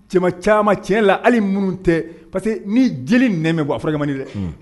Cɛ caman cɛn la hali minnu tɛ que ni jeli nɛ bɛ bɔ a fɔra dɛ